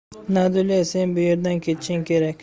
nadulya sen bu yerdan ketishing kerak